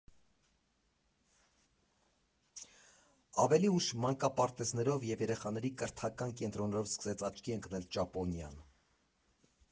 Ավելի ուշ մանկապարտեզներով և երեխաների կրթական կենտրոններով սկսեց աչքի ընկնել Ճապոնիան։